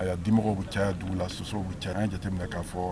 A ye dimɔgɔ caya dugu la sosow caya an y'a jateminɛ k'a fɔ.